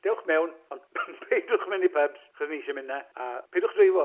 Dewch mewn, ond p- peidwch mynd i pybs, achos ni isie mynd 'na, a peidwch dreifo.